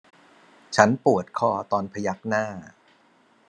ฉันปวดคอตอนพยักหน้า